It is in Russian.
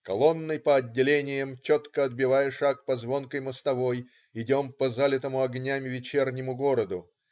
Колонной по отделениям, четко отбивая шаг по звонкой мостовой, идем по залитому огнями вечернему городу.